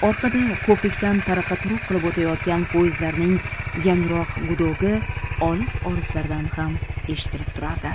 orqada ko'prikdan taraqa turuq qilib o'tayotgan poezdlarning yangroq gudogi olis olislardan ham eshitilib turardi